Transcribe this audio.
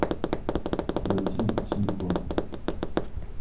включить чику